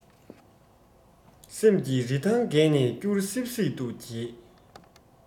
སེམས ཀྱི རི ཐང བརྒལ ནས སྐྱུར སིབ སིབ ཏུ གྱེས